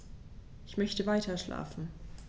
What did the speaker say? Ich möchte weiterschlafen.